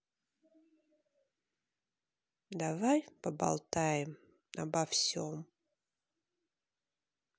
давай поболтаем обо всем